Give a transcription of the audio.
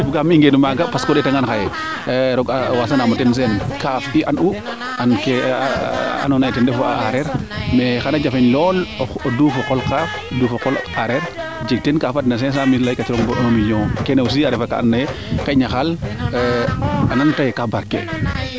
bugaan i ndenu maaga parce que o ndeeta ngaan xaye rooga wasanamo ten Sene kaaf i an u an ke ando naye ten refu a areer mais xana jafeñ lool o duuf o qol kaaf o duuf o qol areer jeg teen ka fadna cinq cent mille bo un million keene aussi a refa ka ando naye xayna xaal a nana taye kaa barke